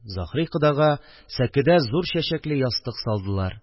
Заһри кодага сәкедә зур чәчәкле ястык салдылар